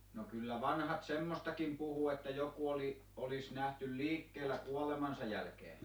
no kyllä vanhat semmoistakin puhui että joku oli olisi nähty liikkeellä kuolemansa jälkeen